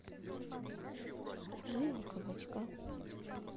жизнь кабачка